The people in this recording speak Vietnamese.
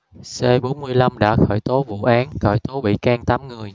c bốn mươi lăm đã khởi tố vụ án khởi tố bị can tám người